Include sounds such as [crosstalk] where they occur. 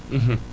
[hesitation] [hesitation]